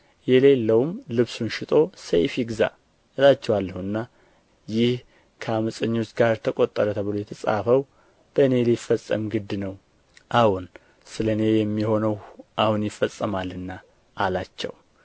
የሌለውም ልብሱን ሽጦ ሰይፍ ይግዛ እላችኋለሁና ይህ ከዓመፀኞች ጋር ተቈጠረ ተብሎ የተጻፈው በእኔ ሊፈጸም ግድ ነው አዎን ስለ እኔ የሚሆነው አሁን ይፈጸማልና አላቸው